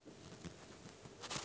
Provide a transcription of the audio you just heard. фильм ночной дозор